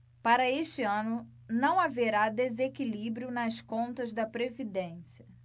para este ano não haverá desequilíbrio nas contas da previdência